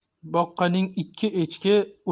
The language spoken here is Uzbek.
boqqaning ikki echki